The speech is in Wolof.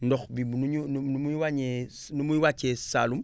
ndox bi ni muy ni muy wàññee ni muy wàccee Saalum